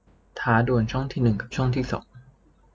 ท้าดวลช่องที่หนึ่งกับช่องที่สอง